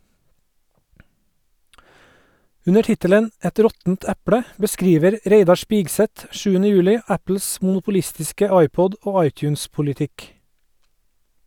Under tittelen "Et råttent eple" beskriver Reidar Spigseth 7. juli Apples monopolistiske iPod- og iTunes-politikk.